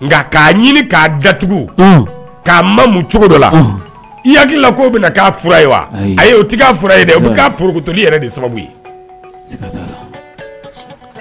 Nka k'a ɲini k'a daugu k'a ma mun cogo dɔ la yala ko bɛ na k'a f ye wa a ti ye o'a porotuli yɛrɛ de sababu ye